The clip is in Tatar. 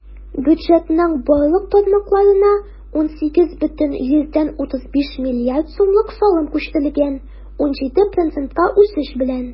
Бюджетның барлык тармакларына 18,35 млрд сумлык салым күчерелгән - 17 процентка үсеш белән.